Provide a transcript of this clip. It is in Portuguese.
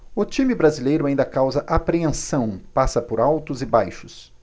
o time brasileiro ainda causa apreensão passa por altos e baixos